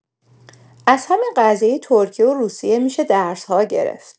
از همین قضیۀ ترکیه و روسیه می‌شه درس‌ها گرفت!